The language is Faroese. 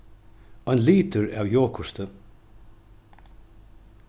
ein litur av jogurti